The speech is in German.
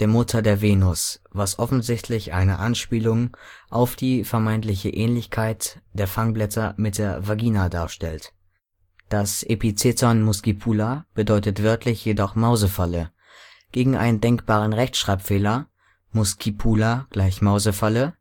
Mutter der Venus, was offensichtlich eine Anspielung auf die vermeintliche Ähnlichkeit der Fangblätter mit der Vagina darstellt; das Epitheton muscipula bedeutet wörtlich jedoch Mausefalle. Gegen einen denkbaren Rechtschreibfehler (muscipula = Mausefalle